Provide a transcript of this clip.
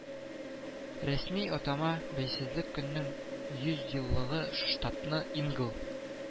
Рәсми атама Бәйсезлек көннең йөзьеллыгы штаты ингл